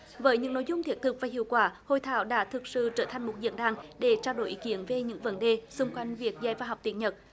với những nội dung thiết thực và hiệu quả hội thảo đã thực sự trở thành một diễn đàn để trao đổi ý kiến về những vấn đề xung quanh việc dạy và học tiếng nhật